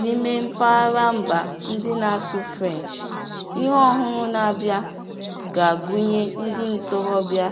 N'ime mpaghara mba ndị na-asụ French, ihe ọhụrụ na-abịa, ga-agunye ndị ntorobịa